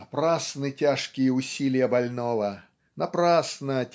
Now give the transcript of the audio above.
Напрасны тяжкие усилия больного напрасно